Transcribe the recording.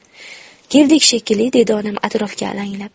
keldik shekilli dedi onam atrofga alanglab